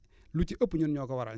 lu ci ëpp ñun ñoo ko waral